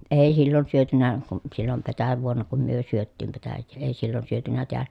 ei silloin syöty kuin silloin petäjävuonna kun me syötiin petäjää ei silloin syöty täällä